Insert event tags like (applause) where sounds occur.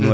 (clears throat)